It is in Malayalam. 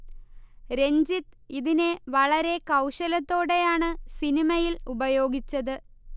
രഞ്ജിത് ഇതിനെ വളരെ കൗശലത്തോടെയാണ് സിനിമയിൽ ഉപയോഗിച്ചത്